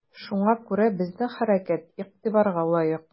Шуңа күрә безнең хәрәкәт игътибарга лаек.